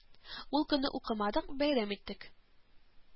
Ул көнне укымадык бәйрәм иттек